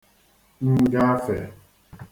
ngāfè